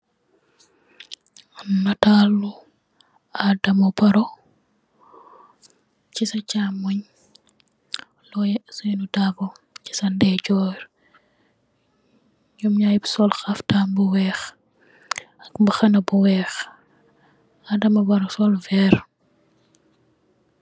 Nitalu Adama Barrow ci sa camooy, Loya Ousainu Darbó ci sa ndayjoor jom ñaar ñap sol xaptan bu wèèx ak mbàxna bu wèèx Adama Barrow sol vèèr.